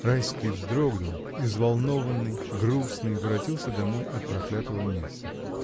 Райский вздрогнул и, взволнованный, грустный, воротился домой от проклятого места.